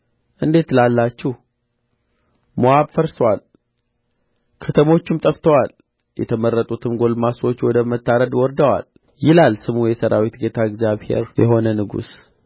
እንዴት ትላላችሁ ሞዓብ ፈርሶአል ከተሞቹም ጠፍተዋል የተመረጡትም ጕልማሶች ወደ መታረድ ወርደዋል ይላል ስሙ የሠራዊት ጌታ እግዚአብሔር የሆነ ንጉሥ